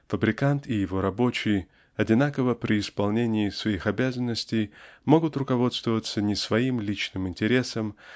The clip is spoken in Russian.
фабрикант и его рабочий одинаково при исполнении своих обязанностей могут руководствоваться не своим личным интересом